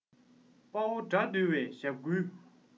དཔའ བོ དགྲ འདུལ བའི ཞབས བསྐུལ